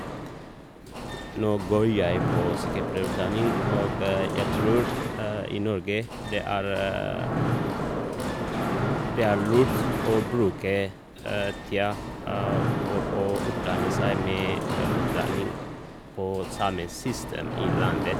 Nå går jeg på sykepleierutdanning, og jeg tror i Norge det er det er lurt å bruke tida for å utdanne seg med utdanning på samme system i landet.